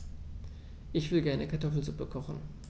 Ich will gerne Kartoffelsuppe kochen.